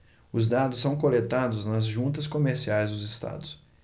os dados são coletados nas juntas comerciais dos estados